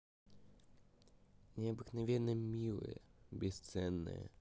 необыкновенная милая бесценная